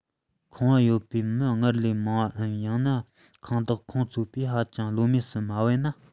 བཀའ ཁང བ ཡོད མི སྔར ལས མང བར པའམ ཡང ན ས ཁང བདག ཁོངས ཚོང པས ཧ ཅང བློ མོས སུ མ བབས ན